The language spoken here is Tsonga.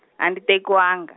a ni tekiwanga.